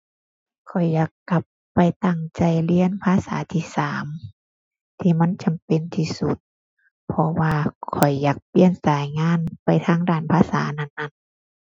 ข้อยอยากกลับไปตั้งใจเรียนภาษาที่สามที่มันจำเป็นที่สุด เพราะว่าข้อยอยากเปลี่ยนสายงานไปทางด้านภาษานั้นนั้น